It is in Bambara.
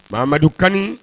Mamadu Kani